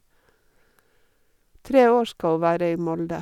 Tre år skal hun være i Molde.